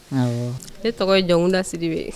Ne tɔgɔ ye jamumudasiri bɛ